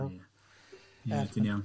Ie, ti'n iawn.